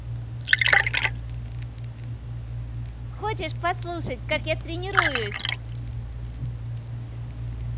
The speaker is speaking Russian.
хочешь послушать как я тренируюсь